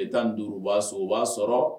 I taa duurubaso u b'a sɔrɔ